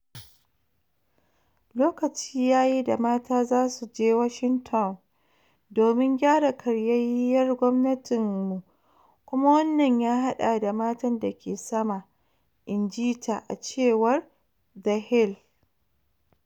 "Lokaci ya yi da mata za su je Washington domin gyara karyayyiyar gwamnatinmu kuma wannan ya hada da matan dake sama," in ji ta, a cewar The Hill.